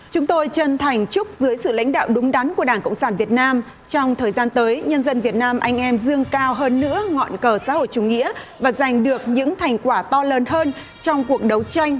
chúng tôi chân thành chúc dưới sự lãnh đạo đúng đắn của đảng cộng sản việt nam trong thời gian tới nhân dân việt nam anh em dương cao hơn nữa ngọn cờ xã hội chủ nghĩa và giành được những thành quả to lớn hơn trong cuộc đấu tranh